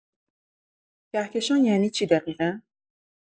کهکشان یعنی چی دقیقا؟